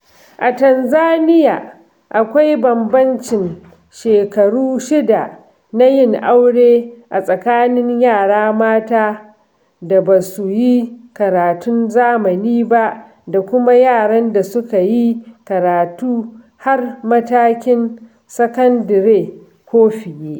A Tanzaniya akwai bambamcin shekaru 6 na yin aure a tsakanin yara mata da ba su yi karatun zamani ba da kuma yaran da su ka yi karatu har matakin sakandire ko fiye.